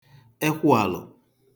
ekwụàlụ̀